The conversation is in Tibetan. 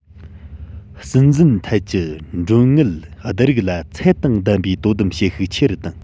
སྲིད འཛིན ཐད ཀྱི གྲོན དངུལ བསྡུ རིགས ལ ཚད དང ལྡན པའི དོ དམ བྱེད ཤུགས ཆེ རུ བཏང